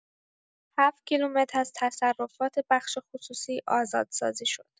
۷ کیلومتر از تصرفات بخش خصوصی آزادسازی شد.